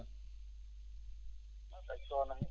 mbaɗɗaa coono ni